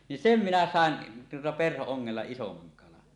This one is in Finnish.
niin sen minä saan tuota perho-ongella isomman kalan